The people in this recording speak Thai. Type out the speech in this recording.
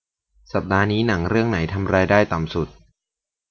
สัปดาห์นี้หนังเรื่องไหนทำรายได้ต่ำสุด